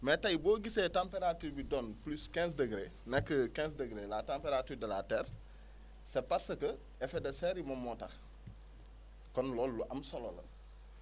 mais tey boo gisee température bi doon plus quinze degré nekk quinze degré la température de la terre c' est parce que effet de serre yi moom moo tax kon loolu lu am solo la